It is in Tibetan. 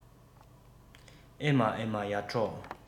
ཨེ མ ཨེ མ ཡར འབྲོག